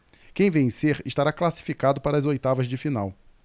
quem vencer estará classificado para as oitavas de final